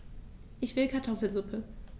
Ich will Kartoffelsuppe.